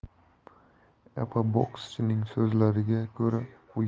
epabokschining so'zlariga ko'ra u yana uchta